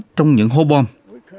trong những hố bom